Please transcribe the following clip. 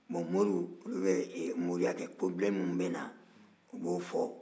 bon moriw olu bɛ moriya kɛ kasara minnu bɛ na u b'o fɔ